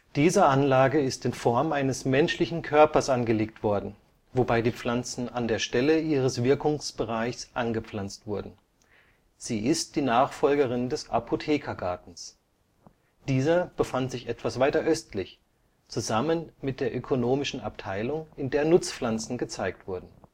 Diese Anlage ist in Form eines menschlichen Körpers angelegt worden, wobei die Pflanzen an der Stelle ihres Wirkungsbereichs angepflanzt wurden, sie ist die Nachfolgerin des Apothekergartens. Dieser befand sich etwas weiter östlich, zusammen mit der „ Ökonomische Abteilung “, in der Nutzpflanzen gezeigt wurden